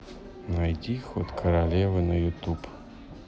найди ход королевы на ютуб